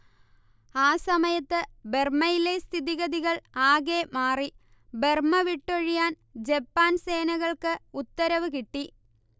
ആ സമയത്ത് ബർമ്മയിലെ സ്ഥിതിഗതികൾ ആകെ മാറി ബർമ്മ വിട്ടൊഴിയാൻ ജപ്പാൻ സേനകൾക്ക് ഉത്തരവ് കിട്ടി